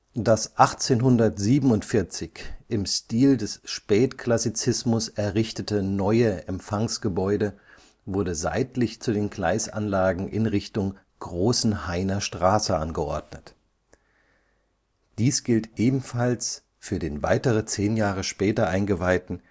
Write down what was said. Das 1847 im Stil des Spätklassizismus errichtete neue Empfangsgebäude wurde seitlich zu den Gleisanlagen in Richtung Großenhainer Straße angeordnet. Dies gilt ebenfalls für den weitere zehn Jahre später eingeweihten